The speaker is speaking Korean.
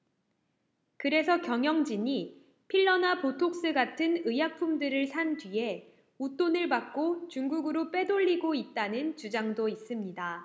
그래서 경영진이 필러나 보톡스 같은 의약품들을 산 뒤에 웃돈을 받고 중국으로 빼돌리고 있다는 주장도 있습니다